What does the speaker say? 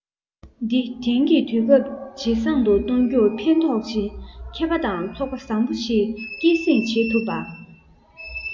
འདི དེང གི དུས སྐབས ཇེ བཟང དུ གཏོང རྒྱུར ཕན ཐོགས ཤིང མཁས པ དང ཚོགས པ བཟང བོ ཞིག སྐྱེད སྲིང བྱེད ཐུབ པ